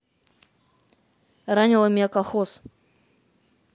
ранила меня колхоз